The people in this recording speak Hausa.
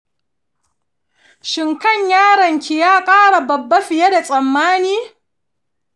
shin kan yaron ki ya kara babba fiye da tsamani?